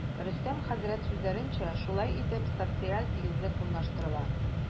Рөстәм хәзрәт сүзләренчә, шулай итеп, социаль тигезлек урнаштырыла.